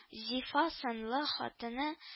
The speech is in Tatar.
Зифа сынлы хатыны